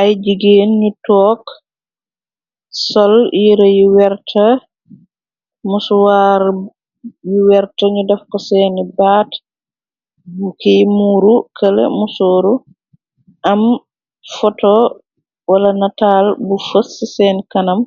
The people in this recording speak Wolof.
Ay jigéen nu took sol yëra yu e musuwaar yu werta ñu daf ko seeni baat kiy muuru kële musooru am poto wala nataal bu fës ci seen kanam